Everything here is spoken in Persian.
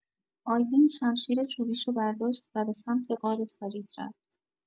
آیلین شمشیر چوبیشو برداشت و به سمت غار تاریک رفت.